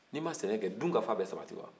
n'i ma sɛnɛ kɛ dunkafa bɛ sabati wa